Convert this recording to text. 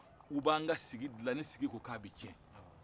u b'an ka sigidilan ni sigi ko k'a bɛ tiɲɛ